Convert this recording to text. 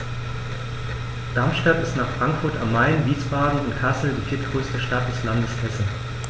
Darmstadt ist nach Frankfurt am Main, Wiesbaden und Kassel die viertgrößte Stadt des Landes Hessen